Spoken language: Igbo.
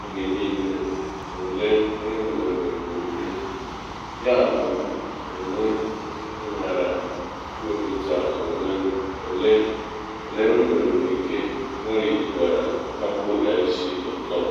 oge niile ole enwenwuru ike, yabụ m onwe m nwara iwepụta onwe m ole m nwenwuru ike, “Sturridge gwara LiverpoolFC.com.